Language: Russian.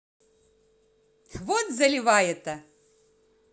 вот заливаета